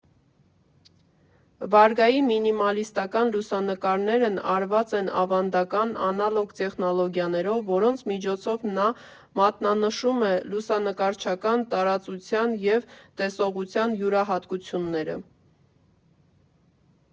Վարգայի մինիմալիստական լուսանկարներն արված են ավանդական, անալոգ տեխնոլոգիաներով, որոնց միջոցով նա մատնանշում է լուսանկարչական տարածության և տեսողության յուրահատկությունները։